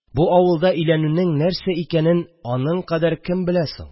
Бу авылда өйләнүнең нәрсә икәнен аның кадәр кем белә соң